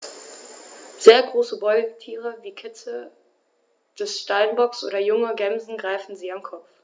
Sehr große Beutetiere wie Kitze des Steinbocks oder junge Gämsen greifen sie am Kopf.